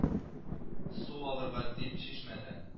Су алырга дип чишмәдән